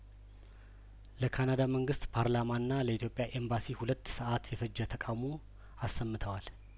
ለካናዳ መንግስት ፓርላማና ለኢትዮጵያ ኤምባሲ ሁለት ሰአት የፈጀ ተቃውሞ አሰምተዋል